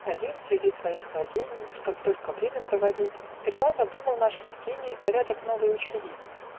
Один среди своих владений, Чтоб только время проводить, Сперва задумал наш Евгений Порядок новый учредить.